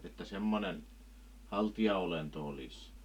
että semmoinen haltijaolento olisi